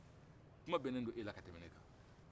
kuman bɛnnen do e ka tɛmɛ ne kan